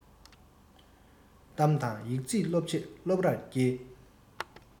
གཏམ དང ཡིག རྩིས སློབ ཆེད སློབ རར བསྐྱེལ